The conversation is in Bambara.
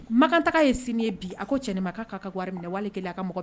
Makan taga ye sini ye , bi a ko cɛnin ma ka ka wari min wali kele a ka mɔgɔ